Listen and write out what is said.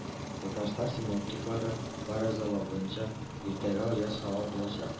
Татарстан синоптиклары фаразлавынча, иртәгә аяз һава булачак